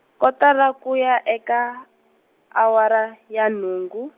kotara ku ya eka, awara ya nhungu.